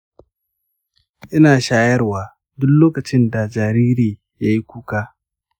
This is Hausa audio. ina shayarwa duk lokacin da jariri yayi kuka.